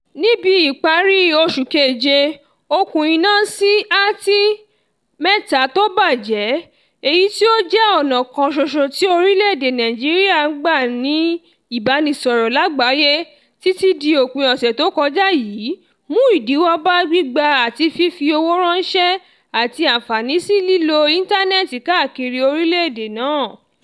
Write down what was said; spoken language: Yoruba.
Ní bí iparí July, okùn iná SAT-3 tó bàjẹ́ – èyí tí ó jẹ́ ọ̀nà kan ṣoṣo tí orilẹ̀ èdè Nàìjíríà gbà ń ní ìbánisọ̀rọ̀ lágbàáyé títí di òpin ọ̀sẹ̀ tó kọjá yìí – mú ìdíwọ́ bá gbígbà àti fífi owó rànṣẹ́ àtí ànfàání sí lílo íntánẹ́ẹ̀ti káàkiri orilẹ̀ èdè náà.